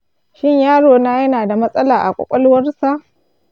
shin yarona yana da matsala a ƙwaƙwalwarsa?